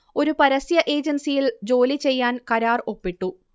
ഒരു പരസ്യ ഏജൻസിയിൽ ജോലി ചെയ്യാൻ കരാർ ഒപ്പിട്ടു